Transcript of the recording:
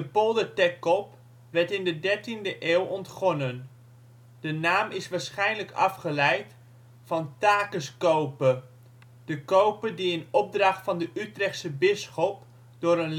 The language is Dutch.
polder Teckop werd in de dertiende eeuw ontgonnen. De naam is waarschijnlijk afgeleid van Taeke 's Cope, de cope die in opdracht van de Utrechtse bisschop door